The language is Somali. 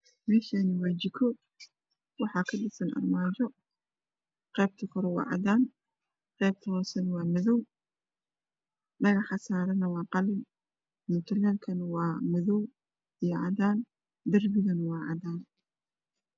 Meshan waa jiko waxa kadhisan armaajo qeebta kore waa cadan qebta hose waa madow dhagax saran waa qalin mutulelkan waa cadan io madow darbigan waa cadan